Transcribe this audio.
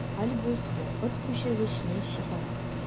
Альбус вакыт күчергечне чыгара.